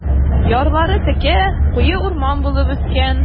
Ярлары текә, куе урман булып үскән.